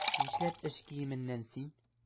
Нишләп эш киеменнән син?